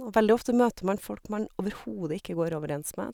Og veldig ofte møter man folk man overhodet ikke går overens med.